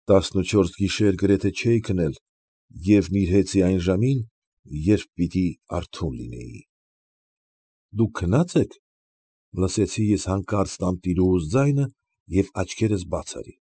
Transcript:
Տասնուչորս գիշեր գրեթե չէի քնել և նիրհեցի այն ժամին, երբ պիտի արթուն լինեի։ ֊ Դուք քնա՞ծ եք, ֊ լսեցի ես հանկարծ տանտիրուհուս ձայնը և աչքերս բաց արի։